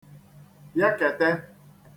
bịaketē